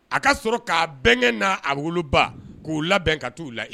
A ka sɔrɔ ka bɛnkɛ na woloba ku labɛn ka tu la hiji.